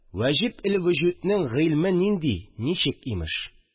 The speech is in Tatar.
«ваҗиб-ел-вөҗүд»нең гыйльме нинди, ничек, имеш